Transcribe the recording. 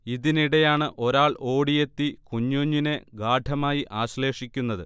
ഇതിനിടെയാണ് ഒരാൾ ഓടിയെത്തി കുഞ്ഞൂഞ്ഞിനെ ഗാഢമായി ആശ്ളേഷിക്കുന്നത്